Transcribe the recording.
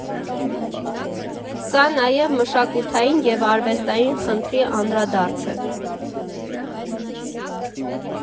Սա նաև մշակութային ու արվեստային խնդրի անդրադարձ է.